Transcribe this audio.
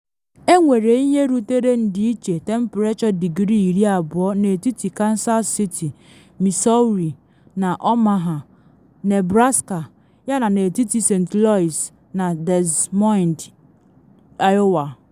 Enwere ihe rutere ndịiche temprechọ digrii-20 n’etiti Kansas City, Missouri, na Omaha, Nebraska, yana n’etiti St. Louis na Des Moined, Iowa.